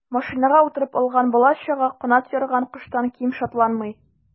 Машинага утырып алган бала-чага канат ярган коштан ким шатланмый.